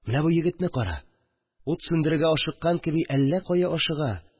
Менә бу егетне кара, ут сүндерергә ашыккан кеби әллә кая ашыга